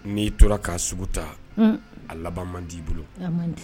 N'i tora k'a sugu ta, un, a laban man d'i bolo, a man di